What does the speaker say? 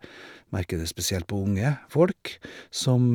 Merker det spesielt på unge folk, som...